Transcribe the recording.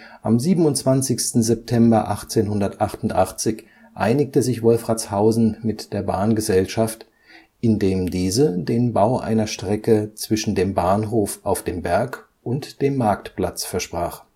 Am 27. September 1888 einigte sich Wolfratshausen mit der Bahngesellschaft, indem diese den Bau einer Straße zwischen dem Bahnhof auf dem Berg und dem Marktplatz versprach